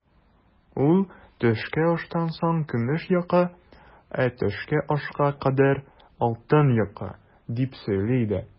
Ул, төшке аштан соң көмеш йокы, ә төшке ашка кадәр алтын йокы, дип сөйли иде.